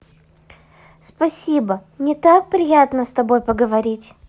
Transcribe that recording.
спасибо мне так приятно с тобой поговорить